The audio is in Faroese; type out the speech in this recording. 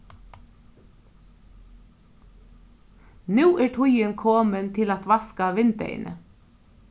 nú er tíðin komin til at vaska vindeyguni